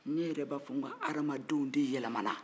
ne yɛrɛ de b'a fɔ ko hadamadenw de yɛlɛma na